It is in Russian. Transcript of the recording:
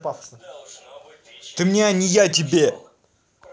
ты мне а не я тебе